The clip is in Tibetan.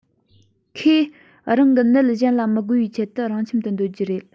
ཁོས རང གི ནད གཞན ལ མི འགོ བའི ཆེད དུ རང ཁྱིམ སྡོད རྒྱུ རེད